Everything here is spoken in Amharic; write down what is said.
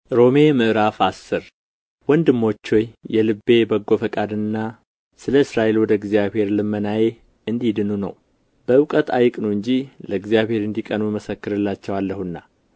ሮሜ ምዕራፍ አስር ወንድሞች ሆይ የልቤ በጎ ፈቃድና ስለ እስራኤል ወደ እግዚአብሔር ልመናዬ እንዲድኑ ነው በእውቀት አይቅኑ እንጂ ለእግዚአብሔር እንዲቀኑ እመሰክርላቸዋለሁና